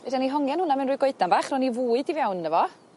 Fedran ni hongian hwnna mewn ryw goedan bach rhon ni fwyd i fewn yno fo.